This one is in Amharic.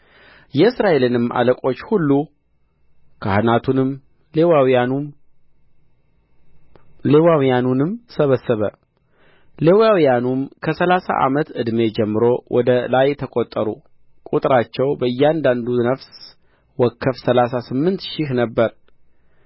የእስራኤልንም አለቆች ሁሉ ካህናቱንም ሌዋውያኑንም ሰበሰበ ሌዋውያንም ከሠላሳ ዓመት ዕድሜ ጀምሮ ወደ ላይ ተቈጠሩ ቍጥራቸው በእያንዳንዱ ነፍስ ወከፍ ሠላሳ ስምንት ሺህ ነበረ